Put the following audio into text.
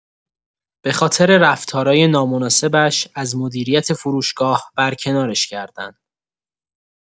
به‌خاطر رفتارای نامناسبش از مدیریت فروشگاه برکنارش کردن.